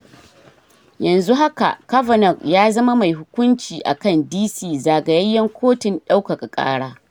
Yanzu haka Kavanaugh ya zama mai hukunci akan D.C. Zagayayyen kotun daukaka kara.